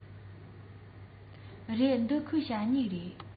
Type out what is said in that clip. རེད འདི ཁོའི ཞ སྨྱུག རེད